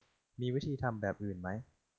มีวิธีทำแบบอื่นไหม